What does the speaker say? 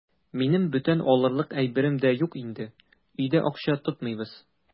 Минем бүтән алырлык әйберем дә юк инде, өйдә акча тотмыйбыз.